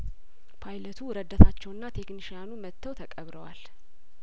ፓይለቱ ረዳታቸውና ቴክኒ ሽ ያኑ መጥተው ተቀብ ረዋል